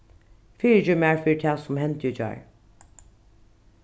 fyrigev mær fyri tað sum hendi í gjár